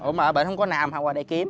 ủa mà ở bên không có nam ha qua đây kiếm